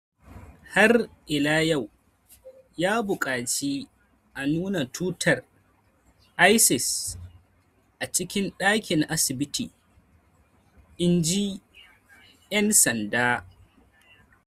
Har ila yau, ya bukaci a nuna tutar Isis a cikin dakin asibiti, in ji 'yan sanda.